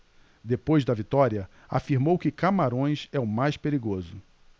depois da vitória afirmou que camarões é o mais perigoso